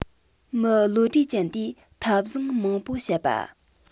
མི བློ གྲོས ཅན དེ པས ཐབས བཟང མང པོ བཤད པ